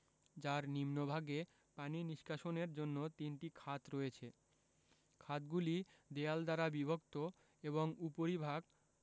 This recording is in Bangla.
যার নিম্নভাগে পানি নিষ্কাশনের জন্য তিনটি খাত রয়েছে খাতগুলি দেয়াল দ্বারা বিভক্ত এবং উপরিভাগ